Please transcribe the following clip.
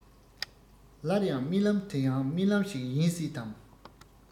སླར ཡང རྨི ལམ དེ ཡང རྨི ལམ ཞིག ཡིན སྲིད དམ